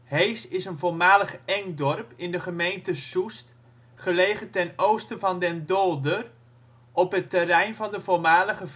Hees is een voormalig engdorp in de gemeente Soest, gelegen ten oosten van Den Dolder op het terrein van de voormalige vliegbasis